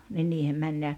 niin niihin meni ja